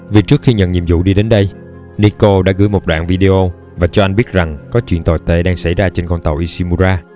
vì trước khi nhận nhiệm vụ đi đến đây nicole đã gửi một đoạn video và cho anh biết rằng có chuyện tồi tệ đang xảy ra trên con tàu ishimura